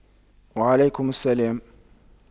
وعليكم السلام